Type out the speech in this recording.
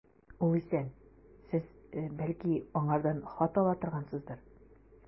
Ул исән, сез, бәлки, аңардан хат ала торгансыздыр.